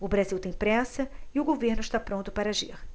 o brasil tem pressa e o governo está pronto para agir